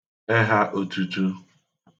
ẹhā otutu